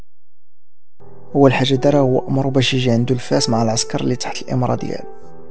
والحشد اوامر بشيء عند الفيصل مع العسكر اللي تحت الاماراتيه